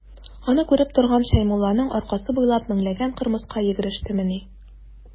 Аны күреп торган Шәймулланың аркасы буйлап меңләгән кырмыска йөгерештемени.